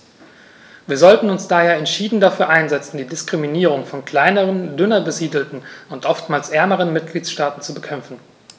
Wir sollten uns daher entschieden dafür einsetzen, die Diskriminierung von kleineren, dünner besiedelten und oftmals ärmeren Mitgliedstaaten zu bekämpfen.